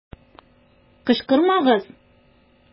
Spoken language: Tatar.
Кычкырмагыз!